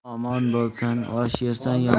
omon bo'lsang osh yersan